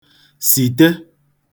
sìte